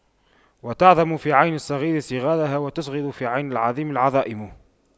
وتعظم في عين الصغير صغارها وتصغر في عين العظيم العظائم